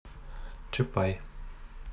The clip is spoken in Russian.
чапай